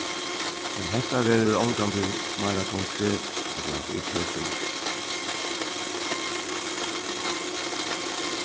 men hetta verður ongantíð meira konkret ella ítøkiligt